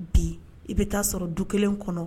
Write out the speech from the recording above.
Bi i bɛ taa sɔrɔ du kelen kɔnɔ